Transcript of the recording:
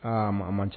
Aa a man tiɲɛ